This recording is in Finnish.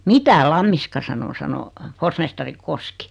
mitä Lammiska sanoi sanoi forsmestari Koski